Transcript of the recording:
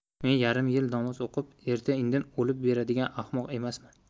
men yarim yil namoz o'qib erta indin o'lib beradigan ahmoq emasman